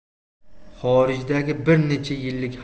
xorijdagi bir necha yillik